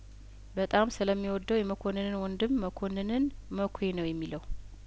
በጣም ስለሚ ወደው የመኮንንን ወንድም መኮንንን መኳ ነው የሚለው